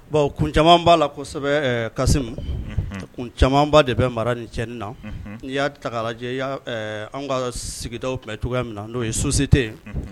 Bon kun caman b'a la kosɛbɛ ɛɛ Kasimu unhun kun camanba de bɛ mara ni cɛnin na unhun n'i y'a ta k'a lajɛ i y'a ɛɛ anw ka s sigidaw tun bɛ cogoya min na n'o ye société ye unhun